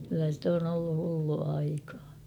kyllä se on ollut hullua aikaa